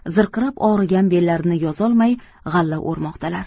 zirqirab og'rigan bellarini yozolmay g'alla o'rmoqdalar